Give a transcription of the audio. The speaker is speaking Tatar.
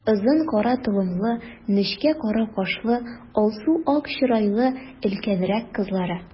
Озын кара толымлы, нечкә кара кашлы, алсу-ак чырайлы өлкәнрәк кызлары.